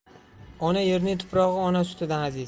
ona yerning tuprog'i ona sutidan aziz